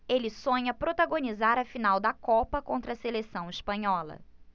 ele sonha protagonizar a final da copa contra a seleção espanhola